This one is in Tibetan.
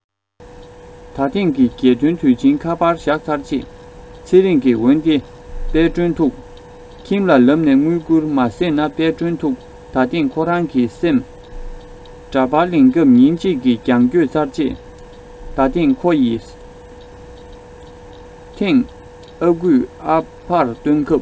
ད ཐེངས ཀྱི རྒྱལ སྟོན དུས ཆེན ཁ པར བཞག ཚར རྗེས ཚེ རིང གི འོན ཏེ དཔལ སྒྲོན ཐུགས ཁྱིམ ལ ལབ ནས དངུལ བསྐུར མ ཟེར ན དཔལ སྒྲོན ཐུགས ད ཐེངས ཁོ རང གི སེམས འདྲ པར ལེན སྐབས ཉིན གཅིག གི རྒྱང བསྐྱོད ཚར རྗེས ད ཐེངས ཁོ ཡི ཐེངས ཨ ཁུས ཨ ཕར བཏོན སྐབས